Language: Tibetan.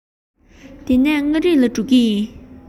དེ ནས མངའ རིས ལ འགྲོ གི ཡིན